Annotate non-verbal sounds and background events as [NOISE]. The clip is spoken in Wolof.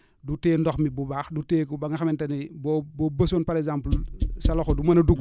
du téye ndox mi bu baax du téye ko ba nga xamante ni boo boo bësoon par exemple [NOISE] sa loxo du mën a dugg